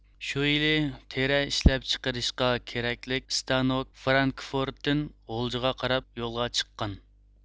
شۇ يىلى تېرە ئىشلەپ چىقىرىشقا كېرەكلىك ئىستانوك فرانكفورتتىن غۇلجىغا قاراپ يولغا چىققان